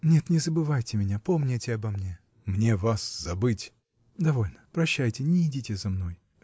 нет, не забывайте меня, помните обо мне. -- Мне вас забыть. -- Довольно, прощайте. Не идите за мной.